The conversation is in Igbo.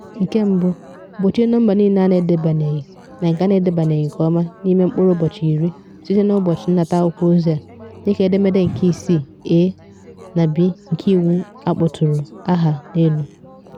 1- Gbochie nọmba niile a na-edebanyeghị na nke a na-edebanyeghị nke ọma n'ime mkpụrụ ụbọchị 10 site n'ụbọchị nnata akwụkwọozi a, dịka Edemede nke 6 (a) na (b) nke Iwu a kpọtụrụ aha n'elu.